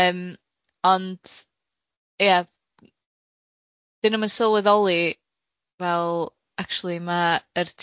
Yym ond ia 'dyn nw'm yn sylweddoli fel acshyli ma' yr